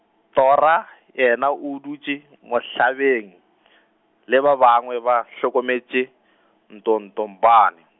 Tora yena o dutše mohlabeng , le ba bangwe ba hlokometše, ntotompane.